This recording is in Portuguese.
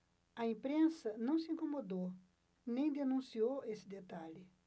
a imprensa não se incomodou nem denunciou esse detalhe